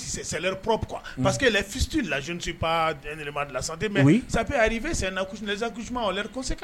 C'est leur propre quoi parce que les fistules là je ne suis pas un élément de la santé mais ça peut arriver c'est un accouchement les accouchements ont leurs conséquences